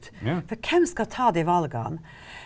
for hvem skal ta de valgene?